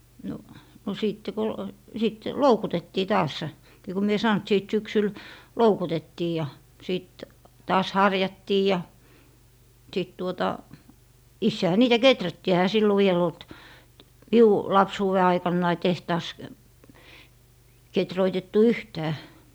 no no sitten kun sitten loukutettiin taas niin kun minä sanoin että sitten syksyllä loukutettiin ja sitten taas harjattiin ja sitten tuota itsehän niitä kehrättiin eihän silloin vielä ollut minun lapsuuden aikanani tehtaassa kehruutettu yhtään